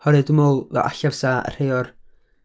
Oherwydd dwi'n meddwl, a- alla fysa rhei o'r...